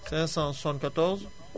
574